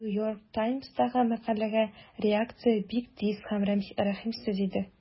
New York Times'тагы мәкаләгә реакция бик тиз һәм рәхимсез иде.